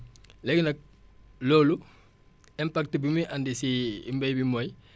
léegi nag loolu impact bi muy andi si mbéy bi mooy